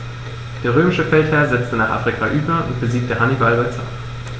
Der römische Feldherr setzte nach Afrika über und besiegte Hannibal bei Zama.